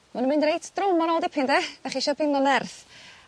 Ma' nw'n mynd reit drwm ar ôl dipyn 'de 'dach chi isio ffeindo nerth